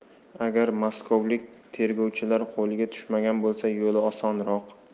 agar maskovlik tergovchilar qo'liga tushmagan bo'lsa yo'li osonroq